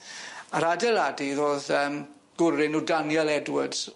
A'r adeiladydd o'dd yym gwr enw Daniel Edwards.